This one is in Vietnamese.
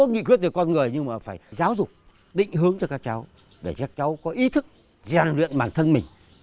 nghị quyết được con người nhưng mà phải giáo dục định hướng cho các cháu để cháu có ý thức rèn luyện bản thân mình